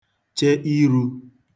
che irū